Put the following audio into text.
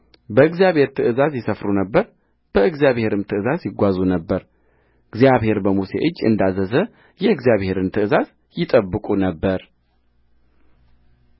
በእግዚአብሔር ትእዛዝ ይሰፍሩ ነበር በእግዚአብሔርም ትእዛዝ ይጓዙ ነበር እግዚአብሔር በሙሴ እጅ እንዳዘዘ የእግዚአብሔርን ትእዛዝ ይጠብቁ ነበር